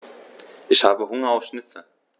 Ich habe Hunger auf Schnitzel.